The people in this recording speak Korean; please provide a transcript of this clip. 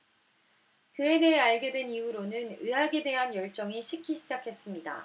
그에 대해 알게 된 이후로는 의학에 대한 열정이 식기 시작했습니다